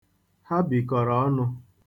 Ha bikọrọ ọnụ